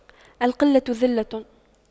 القلة ذلة